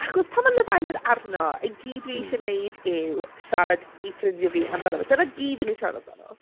Achos pan mae Love Island arno i gyd... mm ...dwi isie wneud yw siarad i ffrindiau fi amdano fe. Dyna i gyd dan ni'n siarad amdano.